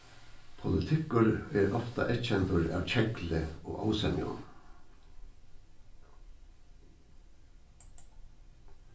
politikkur er ofta eyðkendur av kegli og ósemjum